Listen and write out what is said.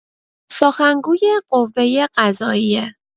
سخنگوی قوه‌قضاییه